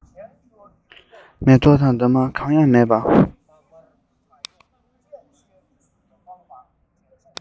མེ ཏོག དང འདབ མ གང ཡང མེད པ